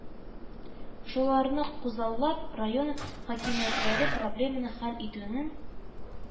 Шуларны күзаллап, район хакимиятләре проблеманы хәл итүнең